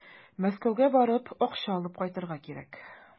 Мәскәүгә барып, акча алып кайтырга кирәк.